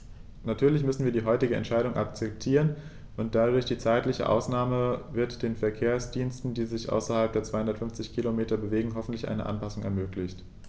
Natürlich müssen wir die heutige Entscheidung akzeptieren, und durch die zeitliche Ausnahme wird den Verkehrsdiensten, die sich außerhalb der 250 Kilometer bewegen, hoffentlich eine Anpassung ermöglicht.